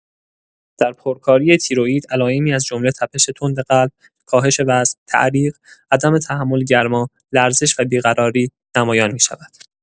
در پرکاری تیروئید علائمی از جمله تپش تند قلب، کاهش وزن، تعریق، عدم تحمل گرما، لرزش و بیقراری نمایان می‌شود.